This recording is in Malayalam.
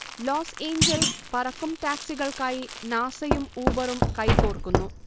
ലോസ് ഏഞ്ചൽസ് പറക്കും ടാക്സികൾക്കായി നാസയും ഊബറും കൈകോർക്കുന്നു